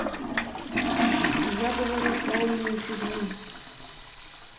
я говорю полную фигню